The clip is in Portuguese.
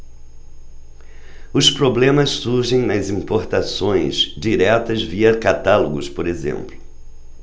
os problemas surgem nas importações diretas via catálogos por exemplo